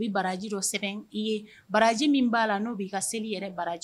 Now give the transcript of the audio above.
U bɛ baraji dɔ sɛbɛn i ye baraji min b'a la n'o b'i ka seli i yɛrɛ baraji